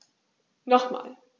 Nochmal.